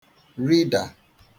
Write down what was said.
ridà